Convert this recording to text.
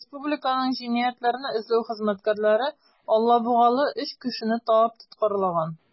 Республиканың җинаятьләрне эзләү хезмәткәрләре алабугалы 3 кешене табып тоткарлаган.